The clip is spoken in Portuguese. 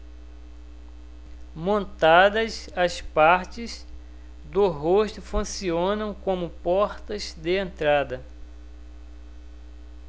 montadas as partes do rosto funcionam como portas de entrada